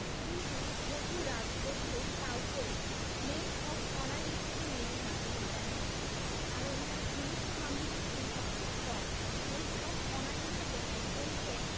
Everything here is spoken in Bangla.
কিন্তু হবু রাজবধূ কাউকেই মেড অব অনার হিসেবে নেবেন না বলে জানিয়েছেন কারণ তাঁর ঘনিষ্ঠ বান্ধবীর সংখ্যা খুব কম মেড অব অনার হিসেবে একজনকে